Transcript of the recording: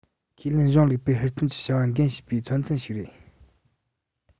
ཁས ལེན གཞུང ལས པའི ཧུར བརྩོན གྱིས བྱ བ འགན བཞེས པའི མཚོན ཚུལ ཞིག རེད